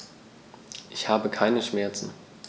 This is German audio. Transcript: Ich habe keine Schmerzen.